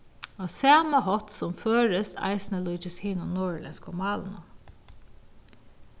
á sama hátt sum føroyskt eisini líkist hinum norðurlendsku málunum